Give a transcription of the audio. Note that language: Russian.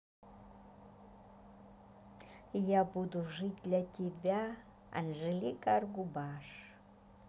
я буду жить для тебя анжелика аргубаш